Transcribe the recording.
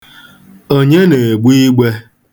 Onye na-egbe igbe?